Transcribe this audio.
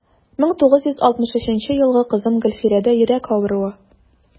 1963 елгы кызым гөлфирәдә йөрәк авыруы.